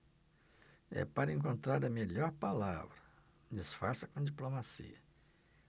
é para encontrar a melhor palavra disfarça com diplomacia